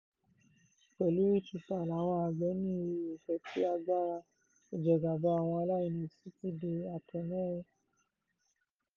Pẹ̀lú eChoupal, àwọn àgbẹ̀ ní oore-ọ̀fẹ́ tí agbára ìjẹgàba àwọn alárinnà sì ti di àtẹ̀mẹ́rẹ̀.